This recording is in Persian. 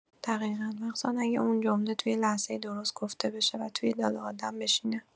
دقیقا، مخصوصا اگه اون جمله توی لحظه درست گفته بشه و توی دل آدم بشینه.